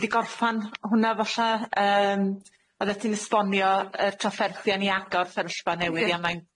i 'di gorffan hwnna falla, yym oeddet ti'n esbonio y trafferthia ni agor fferyllfa newydd ia.